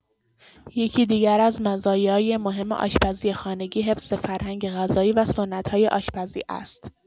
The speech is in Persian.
یکی دیگر از مزایای مهم آشپزی خانگی، حفظ فرهنگ غذایی و سنت‌های آشپزی است.